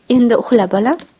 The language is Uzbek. endi uxla bolam